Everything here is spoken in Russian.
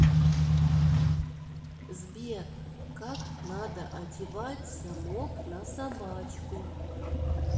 сбер как надо одевать замок на собачку